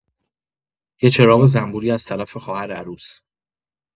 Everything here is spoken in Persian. یه چراغ زنبوری از طرف خواهر عروس